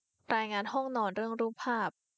รายงานห้องนอนเรื่องรูปภาพ